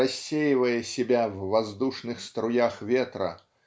рассеивая себя в воздушных струях ветра